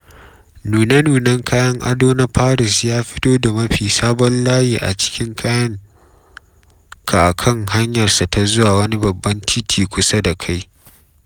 Nune-nunen kayan ado na Paris ya fito da mafi sabon layi a cikin kayan ka a kan hanyarsa ta zuwa wani Babban Titi kusa da kai